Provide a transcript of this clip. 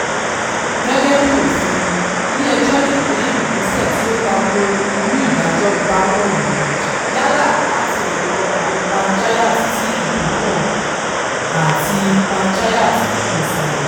Gẹ́gẹ́ bí òfin, ilé ẹjọ́ lé gbé ìgbésẹ̀ tí ó tako irúu ìdájọ́ báwọ̀nyí yálà láti ọ̀dọ̀ àwọn panchayat tí ìbó yàn àti panchayat ipò-ìsàlẹ̀.